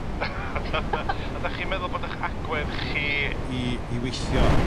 Ydach chi'n meddwl bod 'ych agwedd chi i i weithio